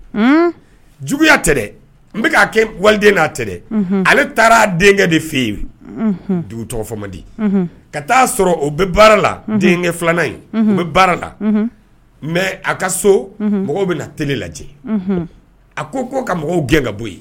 Juguya tɛ n bɛka kɛ waliden n'a tɛ ale taara denkɛ de fɛ yen dugu tɔgɔma di ka t' sɔrɔ o bɛ baara la denkɛ filanan in n bɛ baara la mɛ a ka so mɔgɔw bɛ na teli lajɛ a ko ko ka mɔgɔw gɛn ka bɔ ye